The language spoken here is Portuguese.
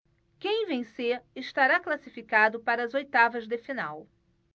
quem vencer estará classificado para as oitavas de final